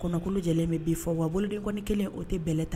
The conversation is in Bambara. Kɔnɔkulu Jɛlen bɛ boi fɔ. Wa bolodenkɔni kelen o tɛ bɛlɛ ta.